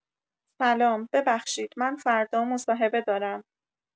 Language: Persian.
سلام ببخشید من فردا مصاحبه دارم